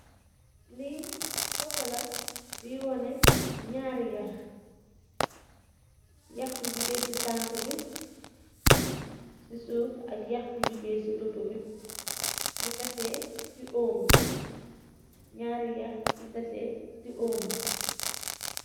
Li photo la boi woneh naari yaah yaah bu jogeh si tanka bi ci suuf ak yaah bu jogeh si lopobi nyu taseh si oom bi naari yaah yu taseh si oom bi.